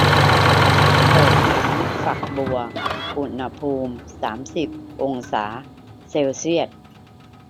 เปิดน้ำฝักบัวอุณหภูมิสามสิบองศาเซลเซียส